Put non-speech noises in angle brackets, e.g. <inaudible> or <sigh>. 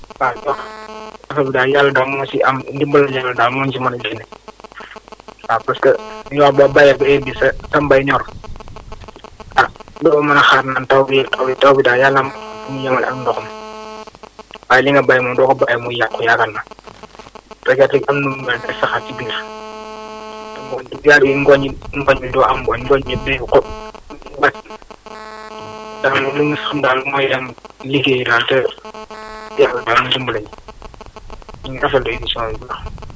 waaw ndax <noise> affaire bi daal yàlla daal moo si am ndimbalu yàlla daal moo ñu si mën a génne <noise> waaw parce que ginnaaw boo béyee ba heure bii sa sa mbéy ñor <noise> ah doo mën a xaar naan taw bii taw bi daal na am fu mu yemale ak ndox mi <noise> waaye li nga béy moom doo ko bàyyi muy yàqu yaakaar naa <noise> te gerte gi am na nu mu mel day saxaat si biir <noise> te ngooñ bi bu yàggee ngooñ mi doo am ngooñ ngooñ mi yëpp day * <noise> ndax li ñu xam daal mooy dem liggéey daal te <noise> fexe daal ñu dimbale ñu <noise> ñu ngi rafetlu émission bi bu baax